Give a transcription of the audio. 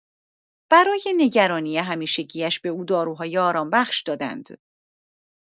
برای نگرانی همیشگی‌اش به او داروهای آرام‌بخش دادند.